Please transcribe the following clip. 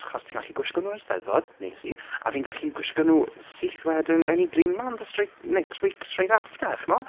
Achos ti'n gallu gwisgo nhw i'r 'Steddfod, wnes i, a fi'n gallu gwisgo nhw, syth wedyn, mynd i Green Man the straight... next week straight after, chimod.